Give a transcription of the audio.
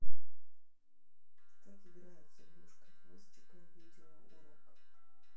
как играют с игрушкой хвостиком видеоурок